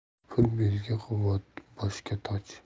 pul belga quvvat boshga toj